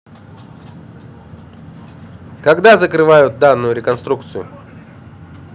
когда закрывают данную реконструкцию